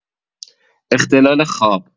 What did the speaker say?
اختلال خواب